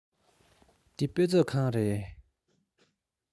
འདི དཔེ མཛོད ཁང རེད